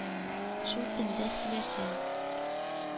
Шул телдә сөйләшә.